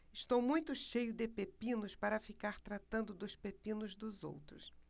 estou muito cheio de pepinos para ficar tratando dos pepinos dos outros